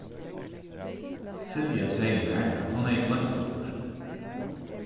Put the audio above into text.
silja segði mær at hon hevði gloymt okkurt